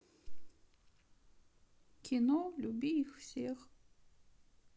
кино люби их всех